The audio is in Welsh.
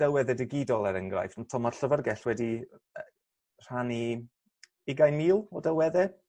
ddelwedde digidol er enghraifft m- t'o' ma'r llyfyrgell wedi yy rhannu ugain mil o delwedde